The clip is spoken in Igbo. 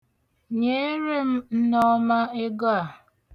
Nyeere m Nneọma ego a.